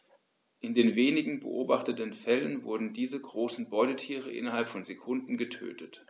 In den wenigen beobachteten Fällen wurden diese großen Beutetiere innerhalb von Sekunden getötet.